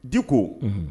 Di ko